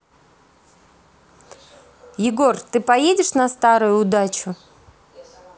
егор ты поедешь на старую удачу